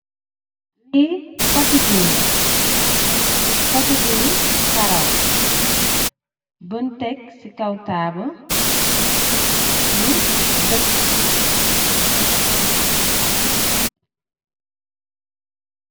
Li poti diw la, poti diw wi karaw buj tek ci kaw tabull ñu dapuko.